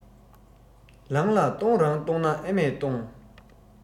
ལང ལ གཏོང རང གཏོང ན ཨ མས གཏོང